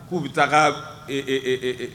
K'u bɛ taa ka